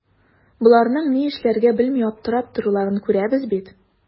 Боларның ни эшләргә белми аптырап торуларын күрәбез бит.